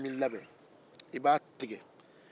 i b'a tigɛ